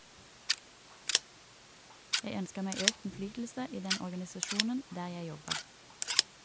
Jeg ønsker meg økt innflytelse i den organisasjonen der jeg jobber.